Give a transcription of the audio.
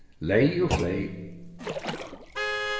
leyg og fleyg